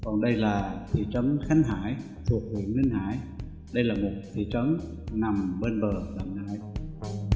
còn đây là thị trấn khánh hải thuộc huyện ninh hải đây là một thị trấn nằm bên cạnh đầm nại